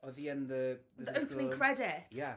Oedd hi yn the... The opening credits... Ie.